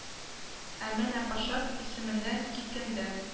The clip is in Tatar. Ә менә Пашат исеменә килгәндә